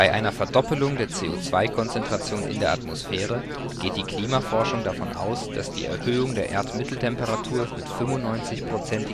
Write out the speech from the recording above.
einer Verdoppelung der CO2-Konzentration in der Atmosphäre geht die Klimaforschung davon aus, dass die Erhöhung der Erdmitteltemperatur mit 95 %